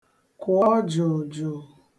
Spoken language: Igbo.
kụọ jụ̀ụ̀jụ̀ụ̀